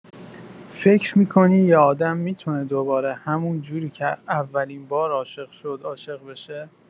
فکر می‌کنی یه آدم می‌تونه دوباره همون‌جوری که اولین بار عاشق شد، عاشق بشه؟